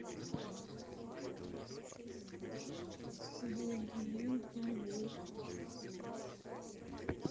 бой львов и гиен